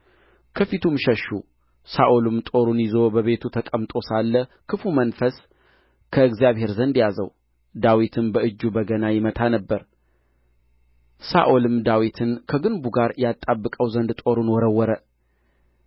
ከፊቱም ሸሹ ሳኦልም ጦሩን ይዞ በቤቱ ተቀምጦ ሳለ ክፉ መንፈስ ከእግዚአብሔር ዘንድ ያዘው ዳዊትም በእጁ በገና ይመታ ነበር ሳኦልም ዳዊትን ከግንብ ጋር ያጣብቀው ዘንድ ጦሩን ወረወረ